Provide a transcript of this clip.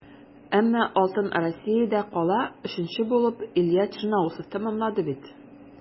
Әмма алтын Россиядә кала - өченче булып Илья Черноусов тәмамлады бит.